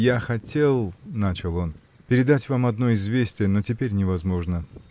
-- Я хотел, -- начал он, -- передать вам одно известие, но теперь невозможно.